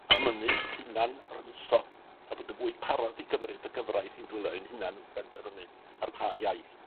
a mynnu hunan rymuso a bod yn fwy parod i gymryd y gyfraith i'n dwylo ein hunan wrth benderfynu ar pa iaith